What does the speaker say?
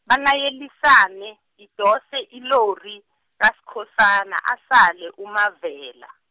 balayelisane, idose ilori, kaSkhosana asale uMavela.